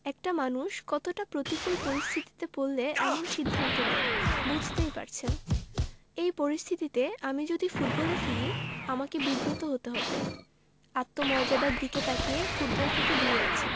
একটা মানুষ কতটা প্রতিকূল পরিস্থিতিতে পড়লে এমন সিদ্ধান্ত নেয় বুঝতেই পারছেন এই পরিস্থিতিতে আমি যদি ফুটবলে ফিরি আমাকে বিব্রত হতে হবে আত্মমর্যাদার দিকে তাকিয়ে ফুটবল থেকে দূরে আছি